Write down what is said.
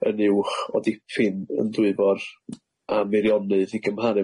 yn uwch o dipyn yn Dwyfor a Meirionydd i gymharu